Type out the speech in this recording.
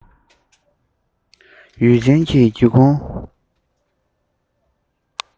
ཡུལ ཅན གྱི སྒེའུ ཁུང